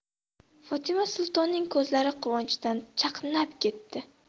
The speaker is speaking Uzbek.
fotima sultonning ko'zlari quvonchdan chaqnab ketdi